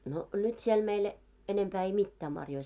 no nyt siellä meillä enempää ei mitään marjoja